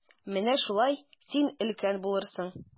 Менә шулай, син өлкән булырсың.